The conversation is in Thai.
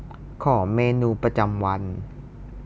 ขอเมนูประจำวัน